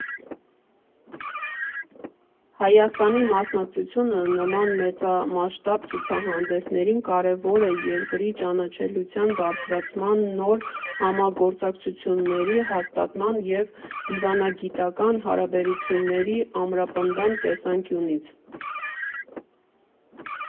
Հայաստանի մասնակցությունը նման մեծամասշտաբ ցուցահանդեսներին կարևոր է երկրի ճանաչելիության բարձրացման, նոր համագործակցությունների հաստատման և դիվանագիտական հարաբերությունների ամրապնդման տեսանկյունից։